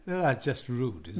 Now, that's just rude, isn't it?